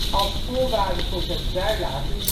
Als voorwaarde voor zijn vrijlating